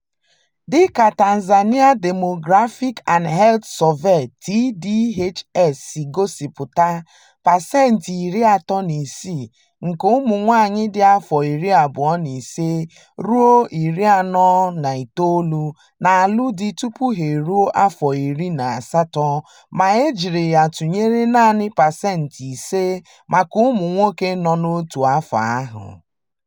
Dị ka Tanzania Demographic and Health Survey (TDHS) si gosipụta, pasentị 36 nke ụmụ nwaanyị dị afọ 25-49 na-alụ di tupu ha eruo afọ 18 ma e jiri ya tụnyere naanị pasentị 5 maka ụmụ nwoke nọ otu afọ ahụ.